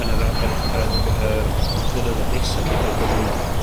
yn yr a- yr yn yr blynyddodd nesa, 'di'r ffaith bo' nw'n